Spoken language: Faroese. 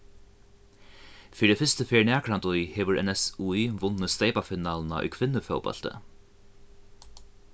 fyri fyrstu ferð nakrantíð hevur nsí vunnið steypafinaluna í kvinnufótbólti